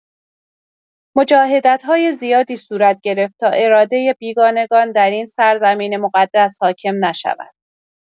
مجاهدت‌های زیادی صورت گرفت تا اراده بیگانگان در این سرزمین مقدس حاکم نشود.